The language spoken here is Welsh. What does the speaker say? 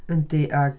Yndi a...